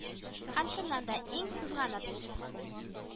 Һәм, чыннан да, иң сызганып